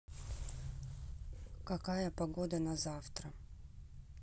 какая погода на завтра